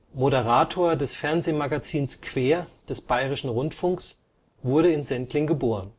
Moderator des Fernsehmagazins quer des Bayerischen Rundfunks, wurde in Sendling geboren